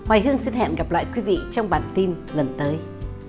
hoài hương xin hẹn gặp lại quý vị trong bản tin lần tới